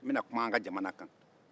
n bɛna kuma an ka jamana kan